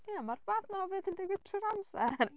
Ie, ma'r fath 'na o beth yn digwydd trwy'r amser .